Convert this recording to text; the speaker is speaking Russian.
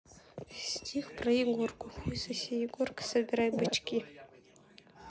styx про егорку хуй соси егорка собирай бычки